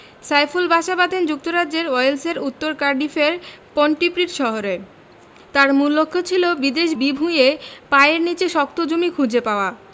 সাইফুল বাসা বাঁধেন যুক্তরাজ্যের ওয়েলসের উত্তর কার্ডিফের পন্টিপ্রিড শহরে তাঁর মূল লক্ষ্য ছিল বিদেশ বিভুঁইয়ে পায়ের নিচে শক্ত জমি খুঁজে পাওয়া